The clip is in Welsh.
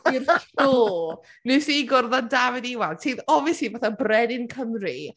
i'r tro wnes i gwrdd â Dafydd Iwan sy'n obviously fatha Brenin Cymru.